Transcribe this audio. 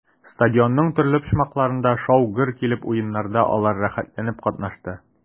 Стадионның төрле почмакларында шау-гөр килеп уеннарда алар рәхәтләнеп катнашты.